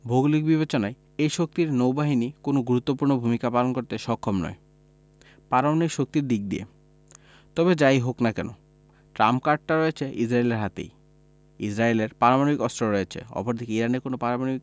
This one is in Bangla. ভৌগোলিক বিবেচনায় এই শক্তির নৌবাহিনী কোনো গুরুত্বপূর্ণ ভূমিকা পালন করতে সক্ষম নয় পারমাণবিক শক্তির দিক দিয়ে তবে যা ই হোক না কেন ট্রাম্প কার্ডটা রয়েছে ইসরায়েলের হাতেই ইসরায়েলের পারমাণবিক অস্ত্র রয়েছে অপরদিকে ইরানের কোনো পারমাণবিক